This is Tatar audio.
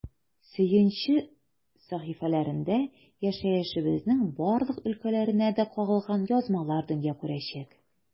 “сөенче” сәхифәләрендә яшәешебезнең барлык өлкәләренә дә кагылган язмалар дөнья күрәчәк.